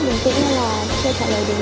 chương trình